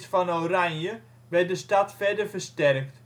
van Oranje werd de stad verder versterkt.